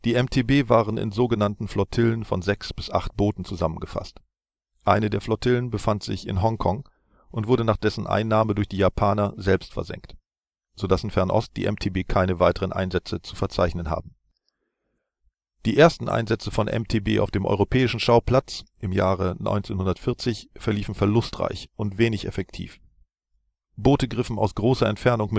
MTB waren in sogenannten Flottillen von sechs bis acht Booten zusammengefasst. Eine der Flottillen befand sich in Hong Kong und wurde nach dessen Einnahme durch die Japaner selbstversenkt, so dass in Fernost die MTB keine weiteren Einsätze zu verzeichnen haben. Die ersten Einsätze von MTB auf dem europäischen Schauplatz im Jahre 1940 verliefen verlustreich und wenig effektiv. Boote griffen aus großer Entfernung